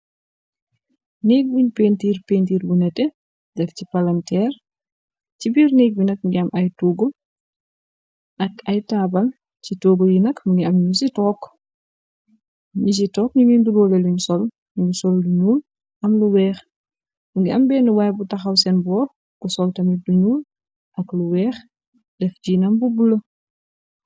Neek bûn paintirr, paintirr bu neteh daf ci palanter ci birr neek bi nak mungi am ay togu ak ay taabal, yuy nak mungi am nyusi tok. Nyu ci tok nyungi nyoroleh luñ sol, lu ñuul am lu weex. Mungi am bena waye bu takhaw sen borr mu sol tam lu ñuul am lu weex tek tam lu bolu.